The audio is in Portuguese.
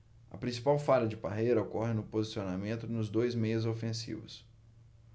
a principal falha de parreira ocorre no posicionamento dos dois meias ofensivos